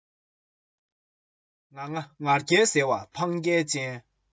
ཆང དང ཨ རག འདི ལས ལྷག པ མེད